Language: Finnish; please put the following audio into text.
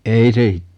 ei se